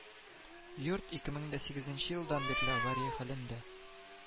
Йорт ике мең сигезенче елдан бирле авария хәлендә